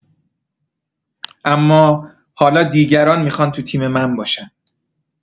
اما حالا دیگران می‌خوان تو تیم من باشن.